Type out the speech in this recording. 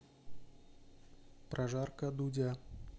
прожарка дудя